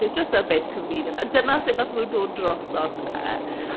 It’s just a bit convenient. A dyna sut wnaethon nhw dod droso fe.